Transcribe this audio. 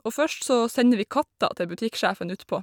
Og først så sender vi katta til butikksjefen utpå.